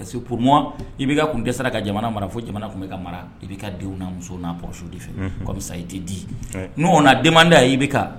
Parce que i b'i ka kun dɛsɛ ka mara fo jamana tun bɛ ka mara i bɛ ka denw muso n'a p de fɛmisa i tɛ di n'o den da ye i bɛ